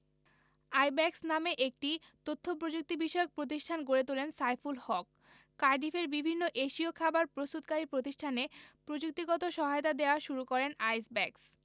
আইব্যাকস নামে একটি তথ্যপ্রযুক্তিবিষয়ক প্রতিষ্ঠান গড়ে তোলেন সাইফুল হক কার্ডিফের বিভিন্ন এশীয় খাবার প্রস্তুতকারী প্রতিষ্ঠানে প্রযুক্তিগত সহায়তা দেওয়া শুরু করে আইব্যাকস